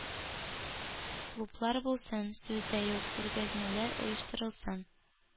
Клублар булсын, сүз дә юк, күргәзмәләр оештырылсын,